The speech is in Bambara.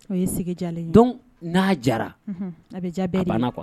O ye sigi diyalen donc n'a diyara a bɛ ja bɛɛ